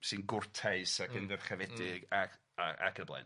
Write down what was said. sy'n gwrtais ac yn ddyrchafedig ac ac ac y blaen.